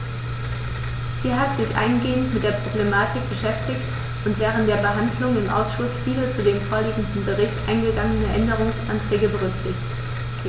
Sie hat sich eingehend mit der Problematik beschäftigt und während der Behandlung im Ausschuss viele zu dem vorliegenden Bericht eingegangene Änderungsanträge berücksichtigt.